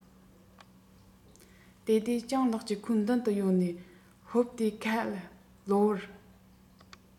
དེ དུས སྤྱང ལགས ཀྱིས ཁོའི མདུན དུ ཡོང ནས ཧོབ སྟེ ཁ ལ གློ བུར